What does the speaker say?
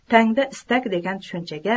tangda istak degan tushunchaga